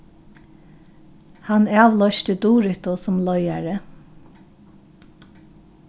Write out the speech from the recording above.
hann avloysti duritu sum leiðari